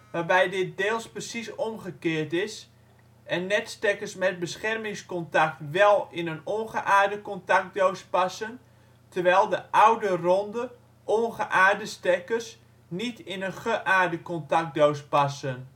waarbij dit deels precies omgekeerd is en netstekkers met beschermingscontact wel in een ongeaarde contactdoos passen, terwijl de (oude, ronde) ongeaarde stekkers niet in een geaarde contactdoos passen